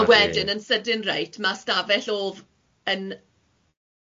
A wedyn yn sydyn reit, ma' stafell o'dd yn